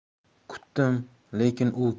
kutdim lekin u